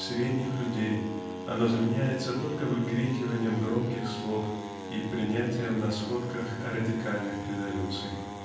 -- средних людей оно заменяется только выкрикиванием громких слов и принятием на сходках радикальных резолюций.